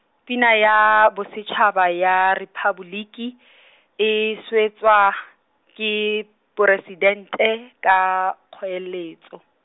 pina ya bosetšhaba ya Rephaboliki , e swetswa, ke Poresidente, ka kgoeletso.